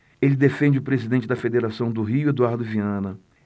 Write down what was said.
ele defende o presidente da federação do rio eduardo viana